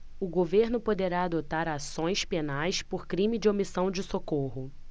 o governo poderá adotar ações penais por crime de omissão de socorro